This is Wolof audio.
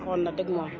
saxoon na dëgg moom